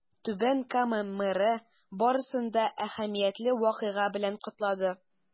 Түбән Кама мэры барысын да әһәмиятле вакыйга белән котлады.